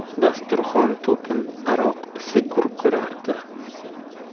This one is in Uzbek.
dasturxon to'kin aroq isi gurkirardi